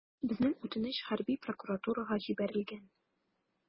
Безнең үтенеч хәрби прокуратурага җибәрелгән.